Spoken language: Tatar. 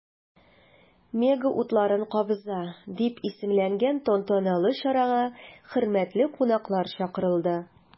“мега утларын кабыза” дип исемләнгән тантаналы чарага хөрмәтле кунаклар чакырылды.